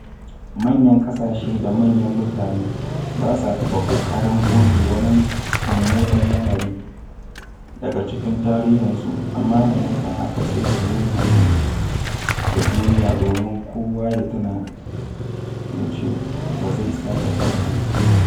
Manyan ƙasashe da manyan mutane ba sa taɓa ƙoƙarin goge wani mummunan lamari daga cikin tarihinsu amma maimakon haka sai su nuna shi ga duniya domin kowa ya tuna ya ce "ba zai sake faruwa ba".